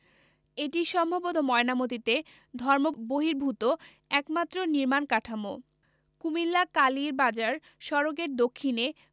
এটিই সম্ভবত ময়নামতীতে ধর্মবহির্ভূত একমাত্র নির্মাণ কাঠামো কুমিল্লা কালীরবাজার সড়কের দক্ষিণে